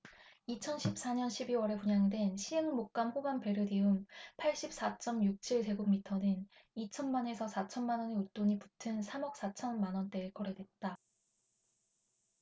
이천 십 사 년 십 이 월에 분양된 시흥목감호반베르디움 팔십 사 쩜 육 칠 제곱미터는 이천 만 에서 사천 만원의 웃돈이 붙은 삼 억 사천 만원대에 거래됐다